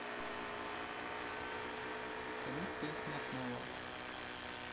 салют песни асмолова